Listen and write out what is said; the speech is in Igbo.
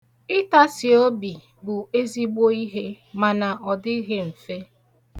Ịtasi obi bụ ezigbo ihe mana ọ dịghị mfe.